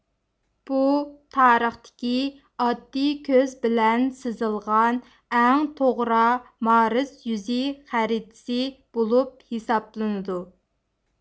بۇ تارىختىكى ئاددىي كۆز بىلەن سىزىلغان ئەڭ توغرا مارس يۈزى خەرىتىسى بولۇپ ھېسابلىنىدۇ